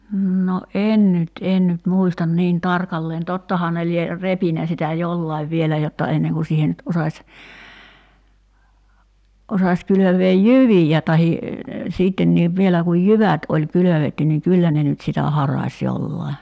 no en nyt en nyt muista niin tarkalleen tottahan ne lie repinyt sitä jollakin vielä jotta ennen kuin siihen nyt osasi osasi kylvää jyviä tai sittenkin vielä kun jyvät oli kylvetty niin kyllä ne nyt sitä harasi jollakin